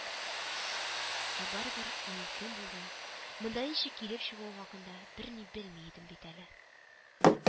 Ә барыбер аның кем булуы, монда ничек килеп чыгуы хакында берни белмим бит әле